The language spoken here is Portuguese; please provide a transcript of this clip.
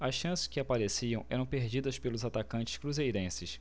as chances que apareciam eram perdidas pelos atacantes cruzeirenses